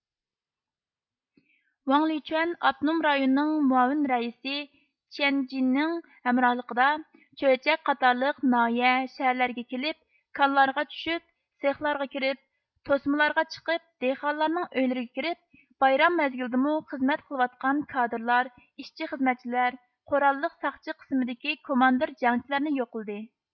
ۋاڭلېچۇەن ئاپتونوم رايوننىڭ مۇئاۋىن رەئىسى چيەنجىنىڭ ھەمراھلىقىدا چۆچەك قاتارلىق ناھىيە شەھەرلەرگە كېلىپ كانلارغا چۈشۈپ سىخلارغا كىرىپ توسمىلارغا چىقىپ دېھقانلارنىڭ ئۆيلىرىگە كىرىپ بايرام مەزگىلىدىمۇ خىزمەت قىلىۋاتقان كادىرلار ئىشچى خىزمەتچىلەر قوراللىق ساقچى قىسىمدىكى كوماندىر جەڭچىلەرنى يوقلىدى